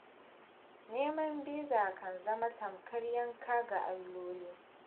Neman biza kan zama tamkar yanka ga alloli.